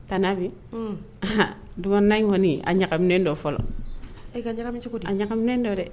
Tante Abi, Hum, anhan dukɔnɔna in kɔni a ɲagaminen dɔ fɔlɔ, ɛ ka ɲagamin cogo di? A ɲagaminen do dɛ